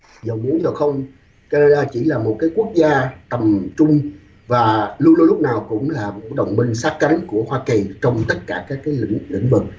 dầu muốn dầu không ca nan đa chỉ là một cái quốc gia tầm trung và luân đôn lúc nào cũng là một cái đồng minh sát cánh của hoa kỳ trong tất cả các cái lĩnh lĩnh vực